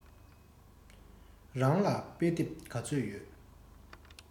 རང ལ དཔེ དེབ ག ཚོད ཡོད